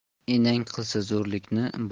enang qilsa zo'rlikni